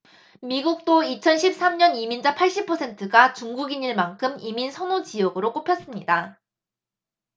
미국도 이천 십 삼 년 이민자 팔십 퍼센트가 중국인일 만큼 이민 선호 지역으로 꼽혔습니다